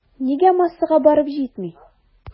Нигә массага барып җитми?